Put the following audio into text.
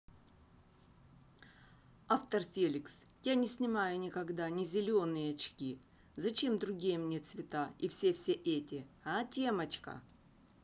автор феликс я не снимаю никогда не зеленые очки зачем другие мне цвета и все все эти а темочка